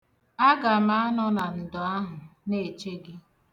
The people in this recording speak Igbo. Aga m anọ na ndo ahụ na-eche gị.